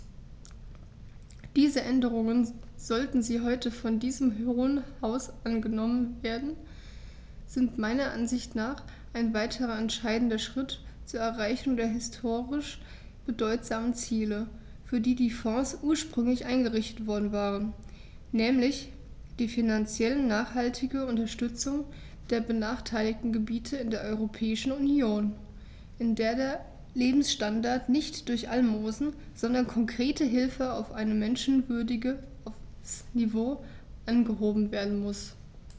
Diese Änderungen, sollten sie heute von diesem Hohen Haus angenommen werden, sind meiner Ansicht nach ein weiterer entscheidender Schritt zur Erreichung der historisch bedeutsamen Ziele, für die die Fonds ursprünglich eingerichtet worden waren, nämlich die finanziell nachhaltige Unterstützung der benachteiligten Gebiete in der Europäischen Union, in der der Lebensstandard nicht durch Almosen, sondern konkrete Hilfe auf ein menschenwürdiges Niveau angehoben werden muss.